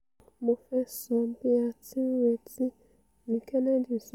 'Mo fẹ́ sọ, bí a tì ńretí,'' ni Kennedy sọ.